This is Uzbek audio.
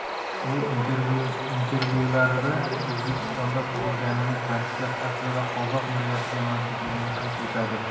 u intervyularida o'zbekistonda tug'ilganini ta'kidlab aslida qozoq millatiga mansubligini qayd etadi